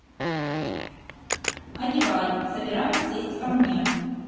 одевай собираюсь сесть ко мне